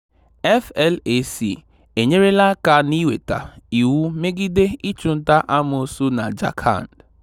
FLAC enyereela aka n'iweta iwu megide ịchụnta-amoosu na Jharkhand.